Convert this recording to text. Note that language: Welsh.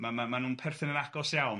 Ma' ma' ma' nhw'n perthyn yn agos iawn.